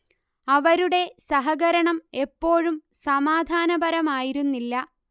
അവരുടെ സഹകരണം എപ്പോഴും സമാധാനപരമായിരുന്നില്ല